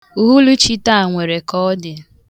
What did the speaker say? Uhuluchi taa nwere ka ọ dị.